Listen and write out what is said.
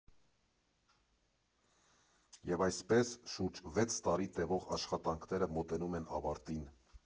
Եվ այսպես, շուրջ վեց տարի տևող աշխատանքները մոտենում են ավարտին։